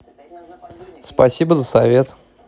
спасибо за совет